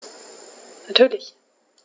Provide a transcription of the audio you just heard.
Natürlich.